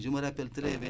je me rappelle très bien